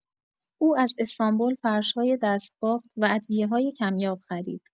او از استانبول فرش‌های دست‌بافت و ادویه‌های کمیاب خرید.